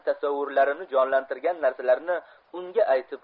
tasavvurlarimni jonlantirgan narsalarni unga aytib